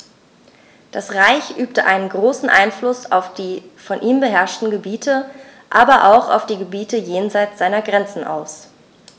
Das Reich übte einen großen Einfluss auf die von ihm beherrschten Gebiete, aber auch auf die Gebiete jenseits seiner Grenzen aus.